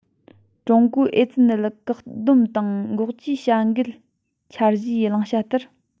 ཀྲུང གོའི ཨེ ཙི ནད བཀག སྡོམ དང འགོག བཅོས ཀྱི འགུལ སྐྱོད འཆར གཞིའི བླང བྱ ལྟར